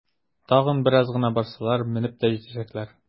Тагын бераз гына барсалар, менеп тә җитәчәкләр!